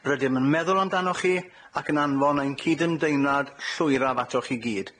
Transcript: Rydym yn meddwl amdanoch chi, ac yn anfon ein cydymdeimlad llwyraf atoch i gyd.